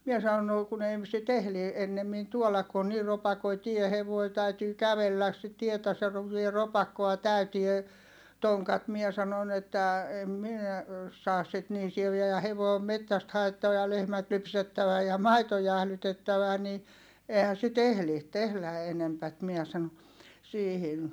minä sanoin no kun ei - sitä ehdi ennemmin tuoda kun on niin ropakoinen tie hevonen täytyy kävellä sitä tietä se - ropakkoa täytyy tonkat minä sanon että en minä saa sitten niin sieviä ja hevonen on metsästä haettava ja lehmät lypsettävä ja maito jäähdytettävä niin eihän̬ sitä ehdi tehdä enempää minä sanoi siihen